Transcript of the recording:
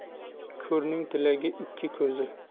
ko'rning tilagi ikki ko'zi